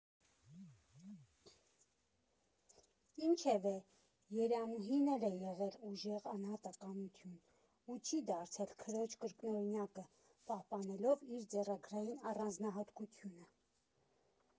Ինչևէ, Երանուհին էլ է եղել ուժեղ անհատականություն ու չի դարձել քրոջ կրկնօրինակը՝ պահպանելով իր ձեռագրային առանձնահատկությունը։